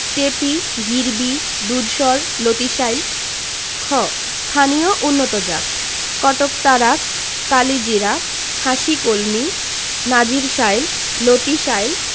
টেপি গিরবি দুধসর লতিশাইল খ স্থানীয় উন্নতজাতঃ কটকতারা কালিজিরা হাসিকলমি নাজির শাইল লতিশাইল